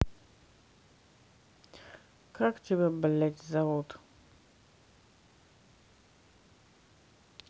как тебя блять зовут то